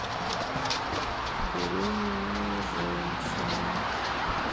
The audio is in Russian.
беременные женщины